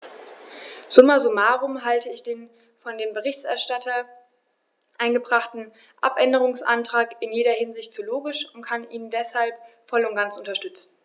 Summa summarum halte ich den von dem Berichterstatter eingebrachten Abänderungsantrag in jeder Hinsicht für logisch und kann ihn deshalb voll und ganz unterstützen.